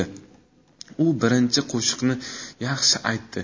u birinchi qo'shiqni yaxshi aytdi